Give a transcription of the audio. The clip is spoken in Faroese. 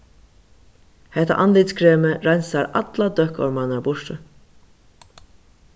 hetta andlitskremið reinsar allar døkkormarnar burtur